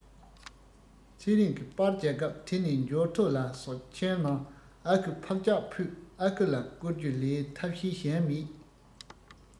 ཚེ རིང གི པར བརྒྱབ སྐབས དེ ནས འབྱོར ཐོ ལ སོགས ཁྱིམ ནང ཨ ཁུ ཕག སྐྱག ཕུད ཨ ཁུ ལ བསྐུར རྒྱུ ལས ཐབས ཤེས གཞན མེད